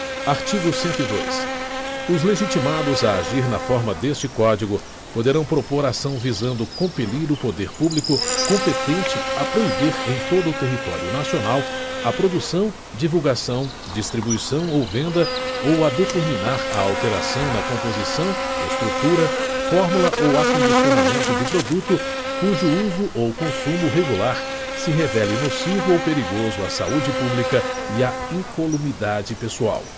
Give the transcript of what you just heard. artigo cento e dois os legitimados a agir na forma deste código poderão propor ação visando compelir o poder público competente a proibir em todo o território nacional a produção divulgação distribuição ou venda ou a determinar a alteração na composição estrutura fórmula ou acondicionamento de produto cujo uso ou consumo regular se revele nocivo ou perigoso à saúde pública e à incolumidade pessoal